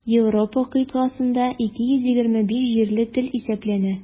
Европа кыйтгасында 225 җирле тел исәпләнә.